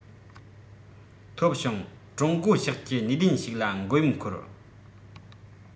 ཐོབ བྱུང ཀྲུང གོ ཕྱོགས ཀྱིས ནུས ལྡན ཞིག ལ མགོ ཡོམ འཁོར